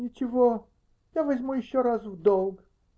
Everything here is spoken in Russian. -- Ничего, я возьму еще раз в долг.